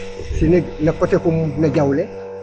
sinig no coté kum no Diawlé.